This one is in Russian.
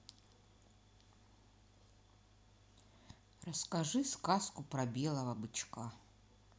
расскажи сказку про белого бычка